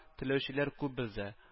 Теләүчеләр күп бездә